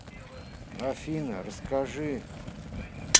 афина расскажи